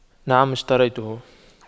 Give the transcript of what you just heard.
نعم اشتريته